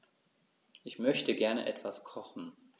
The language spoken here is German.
Ich möchte gerne etwas kochen.